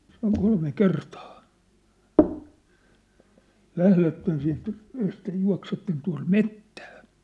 se on kolme kertaa lähdette siitä ehkä juoksette tuonne metsään